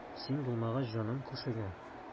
Син булмагач җаным күшегә.